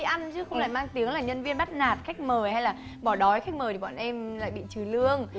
ăn chứ không lại mang tiếng là nhân viên bắt nạt khách mời hay là bỏ đói khách mời thì bọn em lại bị trừ lương